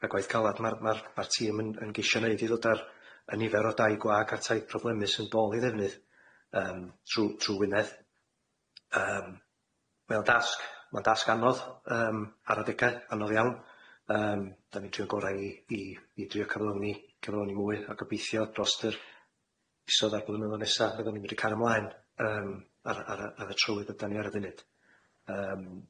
a gwaith calad ma'r ma'r ma'r tîm yn yn geisho neud i ddod a'r y nifer o dai gwag a tai problemus yn dôl i ddefnydd yym trw trw Wynedd yym mae o'n dasg ma'n dasg anodd yym ar adega anodd iawn yym 'dan ni'n trio gora' i i i drio cyflawni cyflawni mwy a gobeithio drost yr misodd a'r blynyddodd nesa fyddwn ni'n medru cario mlaen yym ar y ar y ar y trywydd ydan ni ar y funud.